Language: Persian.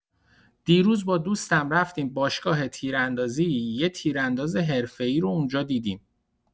دیروز با دوستم رفتیم باشگاه تیراندازی، یه تیرانداز حرفه‌ای رو اونجا دیدیم!